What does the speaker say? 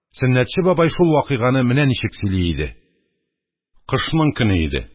Сөннәтче бабай шул вакыйганы менә ничек сөйли иде: – Кышның көне иде.